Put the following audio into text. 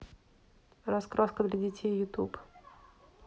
раскраска для детей ютуб